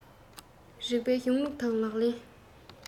རིགས པའི གཞུང ལུགས དང ལག ལེན